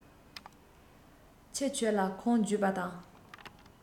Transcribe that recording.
ཁྱི ཁྱོད ལ ཁུངས བརྒྱུད པ དང